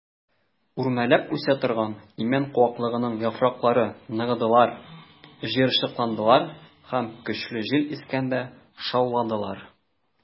Үрмәләп үсә торган имән куаклыгының яфраклары ныгыдылар, җыерчыкландылар һәм көчле җил искәндә шауладылар.